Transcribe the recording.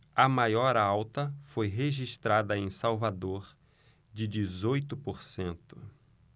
a maior alta foi registrada em salvador de dezoito por cento